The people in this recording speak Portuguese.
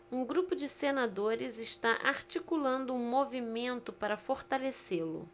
um grupo de senadores está articulando um movimento para fortalecê-lo